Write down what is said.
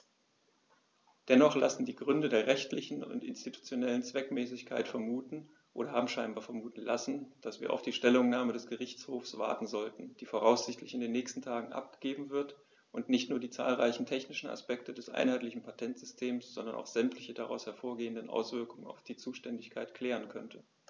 Dennoch lassen die Gründe der rechtlichen und institutionellen Zweckmäßigkeit vermuten, oder haben scheinbar vermuten lassen, dass wir auf die Stellungnahme des Gerichtshofs warten sollten, die voraussichtlich in den nächsten Tagen abgegeben wird und nicht nur die zahlreichen technischen Aspekte des einheitlichen Patentsystems, sondern auch sämtliche daraus hervorgehenden Auswirkungen auf die Zuständigkeit klären könnte.